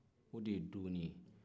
o de ye dooni ya